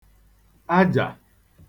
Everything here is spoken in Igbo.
ajà